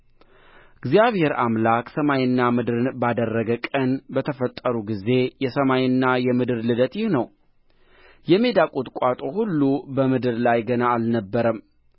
እግዚአብሔር አምላክ ሰማይንና ምድርን ባደረገ ቀን በተፈጠሩ ጊዜ የሰማይና የምድር ልደት ይህ ነው የሜዳ ቁጥቋጦ ሁሉ በምድር ላይ ገና አልነበረም